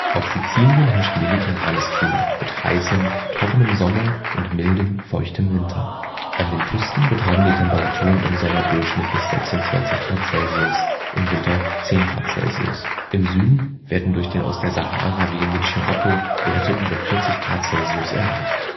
Auf Sizilien herrscht mediterranes Klima mit heißem, trockenem Sommer und mildem, feuchtem Winter. An den Küsten betragen die Temperaturen im Sommer durchschnittlich 26 °C, im Winter 10 °C. Im Süden werden durch den aus der Sahara wehenden Scirocco Werte über 40 °C erreicht